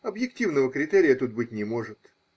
Объективного критерия тут быть не может.